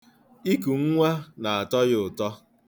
Iku nwa na-atọ ya ụtọ.